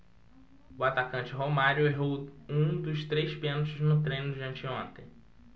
o atacante romário errou um dos três pênaltis no treino de anteontem